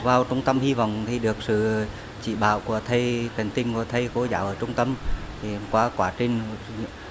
vào trung tâm hy vọng thì được sự chỉ bảo của thầy tận tình của thầy cô giáo ở trung tâm thì qua quá trình